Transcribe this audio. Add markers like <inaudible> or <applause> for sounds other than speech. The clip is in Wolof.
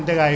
<hesitation> <hesitation>